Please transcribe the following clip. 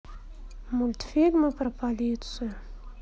мультфильмы про полицию